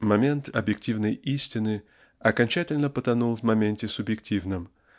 Момент объективной истины окончательно потонул в моменте субъективном